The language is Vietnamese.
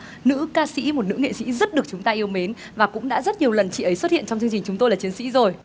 nữ ca sĩ một nữ nghệ sĩ rất được chúng ta yêu mến và cũng đã rất nhiều lần chị ấy xuất hiện trong chương trình chúng tôi là chiến sĩ rồi